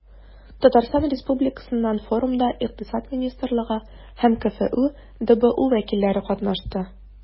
Татарстан Республикасыннан форумда Икътисад министрлыгы һәм КФҮ ДБУ вәкилләре катнашты.